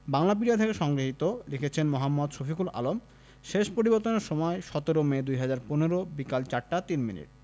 বাংলাপিডিয়া থেকে সংগ্রহীত লিখেছেন মোঃ শফিকুল আলম শেষ পরিবর্তনের সময়ঃ ১৭ মে ২০১৫ বিকেল ৪টা ৩ মিনিট